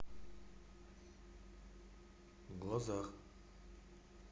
в глазах